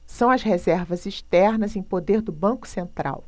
são as reservas externas em poder do banco central